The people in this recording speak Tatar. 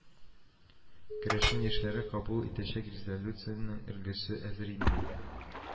Керәшен яшьләре кабул итәчәк резолциянең өлгесе әзер инде